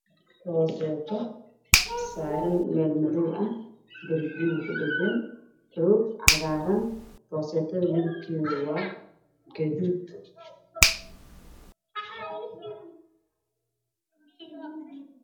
Rooseeto saaran meel madow ah waa guduud